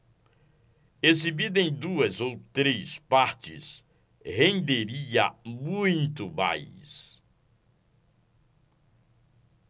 exibida em duas ou três partes renderia muito mais